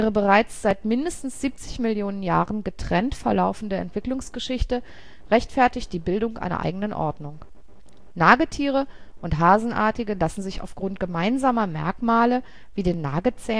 bereits seit mindestens 70 Millionen Jahren getrennt verlaufende Entwicklungsgeschichte rechtfertigt die Bildung einer eigenen Ordnung. Nagetiere und Hasenartige lassen sich aufgrund gemeinsamer Merkmale wie den Nagezähnen